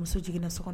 Muso jigin so